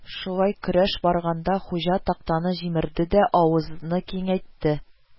Шулай көрәш барганда, хуҗа тактаны җимерде дә, авызны киңәйтте